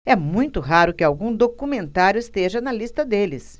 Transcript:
é muito raro que algum documentário esteja na lista deles